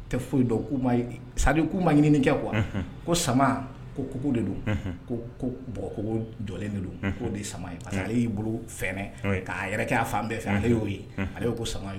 Tɛ foyi dɔn k'u ma ye c'est à dire k'u ma ɲinini kɛ quoi ,,unhun, ko sama ko ku de don, unhun, ko ko bɔgɔkogo jɔlen de don, unhun, k'o de sama ye, parce que ale y'i bolo fɛnɛ oui k'a yɛrɛkɛ a fan bɛɛ fɛ ale y'o ye, unhun, ale ko ko sama